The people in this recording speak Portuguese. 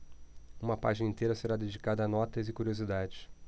uma página inteira será dedicada a notas e curiosidades